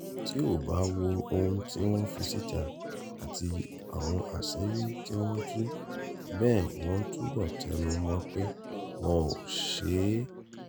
“Tí o bá wo ohun tí wọ́n fi sítà àti àwọn àṣírí tí wọ́n tú, bẹ́ẹ̀ wọ́n túbọ̀ tẹnu mọ pẹ́ “Mò ‘ò ṣé ééé.